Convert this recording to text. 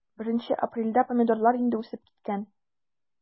1 апрельдә помидорлар инде үсеп киткән.